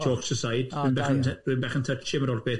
Jokes aside, dwi'n bach yn ty- dwi'n bach yn touchy am yr holl beth.